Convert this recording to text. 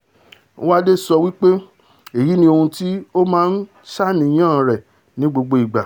Wade sowí pé ''Èyí ní ohun ti ó ma ńṣàníyàn rẹ̀ ní gbogbo igbà,'̣.